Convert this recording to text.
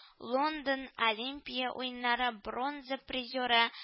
Лондон Олимпия уеннары бронза призеры